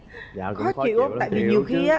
dạ cũng khó chịu chịu chứ